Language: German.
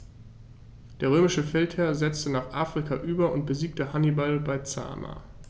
Der römische Feldherr setzte nach Afrika über und besiegte Hannibal bei Zama.